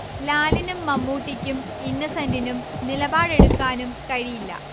ലാലിനും മമ്മൂട്ടിക്കും ഇന്നസെന്റിനും നിലപാട് എടുക്കാനും കഴിയില്ല